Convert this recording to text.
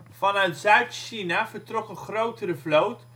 Vanuit Zuid-China vertrok een grotere vloot